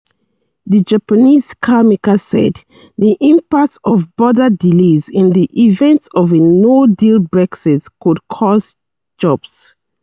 The Japanese carmaker said the impact of border delays in the event of a no-deal Brexit could cost jobs.